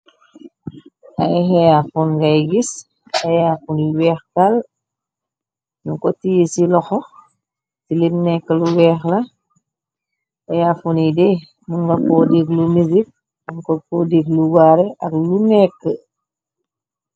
Ay heafon ngay gis ayafuni weextal ñu ko tii ci loxo ci lim nekk lu weex la ayafun yi dée më nga ko dig lu misic mun nga ko deg lu waare ak lu nekk.